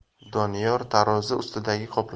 doniyor tarozi ustidagi